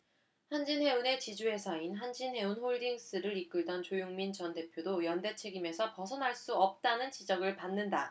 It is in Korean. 한진해운의 지주회사인 한진해운홀딩스를 이끌었던 조용민 전 대표도 연대 책임에서 벗어날 수 없다는 지적을 받는다